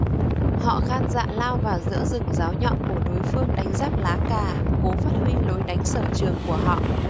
họ gan dạ lao vào giữa rừng giáo nhọn của đối phương đánh giáp lá cà cố phát huy lối đánh sở trường của họ